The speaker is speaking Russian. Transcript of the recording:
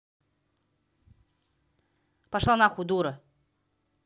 пошла нахуй дура